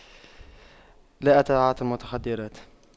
لا أتعاطى متخدرات